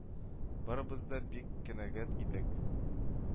Барыбыз да бик канәгатъ идек